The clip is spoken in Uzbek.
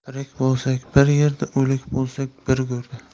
tirik bo'lsak bir yerda o'lik bo'lsak bir go'rda